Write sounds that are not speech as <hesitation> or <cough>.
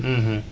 <hesitation> <hesitation>